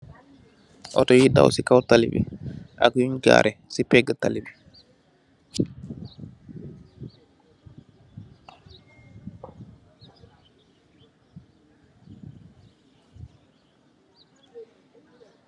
Otto yui daw ci kaw tali bi ak yun garreh ci pegga talli bi.